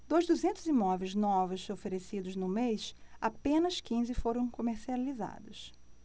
dos duzentos imóveis novos oferecidos no mês apenas quinze foram comercializados